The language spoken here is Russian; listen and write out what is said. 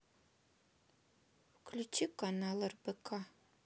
включи канал рбк